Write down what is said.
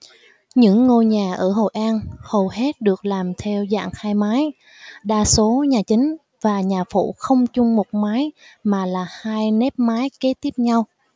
những ngôi nhà ở hội an hầu hết được làm theo dạng hai mái đa số nhà chính và nhà phụ không chung một mái mà là hai nếp mái kế tiếp nhau